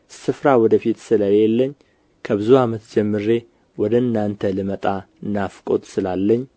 ስፍራ ወደ ፊት ስለሌለኝ ከብዙ ዓመትም ጀምሬ ወደ እናንተ ልመጣ ናፍቆት ስላለኝ